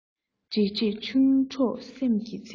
འདྲིས འདྲིས ཆུང གྲོགས སེམས ཀྱི ཚེར མ